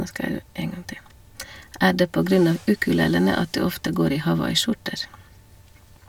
- Er det på grunn av ukulelene at du ofte går i hawaiiskjorter?